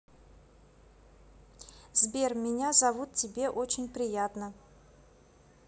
сбер меня зовут тебе очень приятно